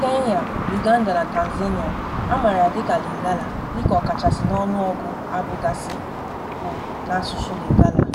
Na Kenya, Uganda, na Tanzania, a maara ya dịka Lingala dịka ọ kachasị n'ọnụọgụ abụ gasị bụ n'asụsụ Lingala.